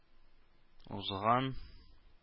Узган